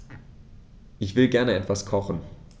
Ich will gerne etwas kochen.